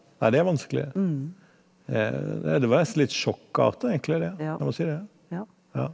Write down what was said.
nei det er vanskelig nei det var nesten litt sjokkarta egentlig det, jeg må si det ja.